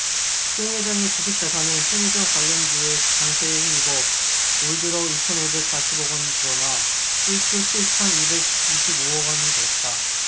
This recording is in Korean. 홍 회장의 주식자산은 편의점 관련주의 강세에 힘입어 올 들어 이 천 오백 사십 억원 불어나 일 조 칠 천 이백 이십 오 억원이 됐다